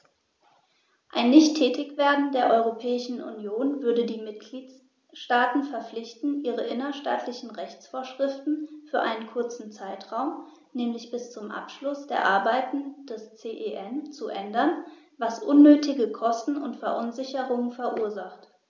Ein Nichttätigwerden der Europäischen Union würde die Mitgliedstaten verpflichten, ihre innerstaatlichen Rechtsvorschriften für einen kurzen Zeitraum, nämlich bis zum Abschluss der Arbeiten des CEN, zu ändern, was unnötige Kosten und Verunsicherungen verursacht.